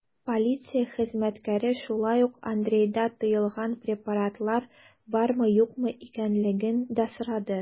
Полиция хезмәткәре шулай ук Андрейда тыелган препаратлар бармы-юкмы икәнлеген дә сорады.